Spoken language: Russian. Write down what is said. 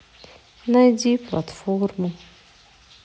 найди платформу